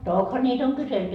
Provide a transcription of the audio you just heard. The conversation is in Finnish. tokihan niitä on kyselty